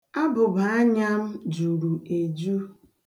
Abụbaanya m juru eju.